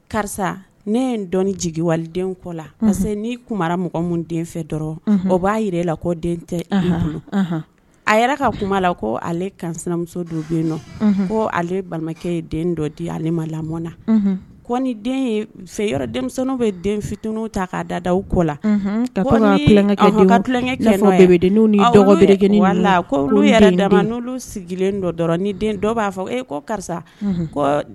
A alemuso ko ale balimakɛ ye ale ma lamɔ na fɛ yɔrɔ denmisɛnnin bɛ den fitiniw ta' dada u kɔ la ka tulonkɛ n' sigilen dɔ den dɔw b'a fɔ e ko karisa